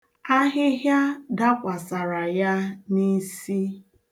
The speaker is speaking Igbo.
Ahịhịa dakwasara ya n'isi.